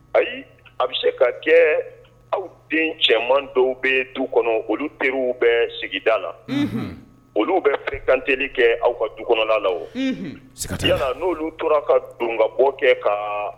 Ayi a bɛ se ka kɛ aw den cɛman dɔw bɛ du kɔnɔ olu teriw bɛ sigida la olu bɛ p taneli kɛ aw ka du kɔnɔ la sigiya la n'olu tora ka don ka bɔ kɛ ka